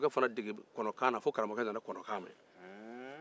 a ye karamɔgɔkɛ fana dege kɔnɔkan na fo o fana nana kɔnɔkan mɛn